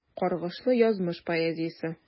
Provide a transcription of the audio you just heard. Каргышлы язмыш поэзиясе.